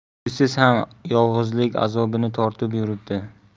shusiz ham yolg'izlik azobini tortib yuribdi